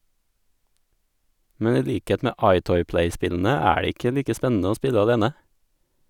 Men i likhet med Eyetoy Play-spillene er det ikke like spennende å spille alene.